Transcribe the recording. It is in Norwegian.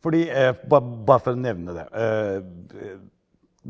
fordi bare for å nevne det